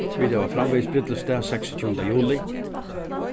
vit hava framvegis brúdleypsdag seksogtjúgunda juli